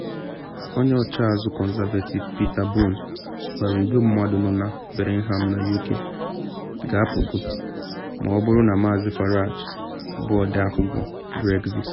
Onye oche azụ Conservative Peter Bone gwara igwe mmadụ nọ na Birmingham na UK “ga-apụgo’ ma ọ bụrụ na Maazị Farage bụ Ọde Akwụkwọ Brexit.